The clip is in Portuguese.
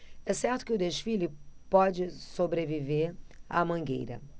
é certo que o desfile pode sobreviver à mangueira